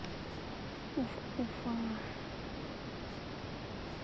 уфа уфа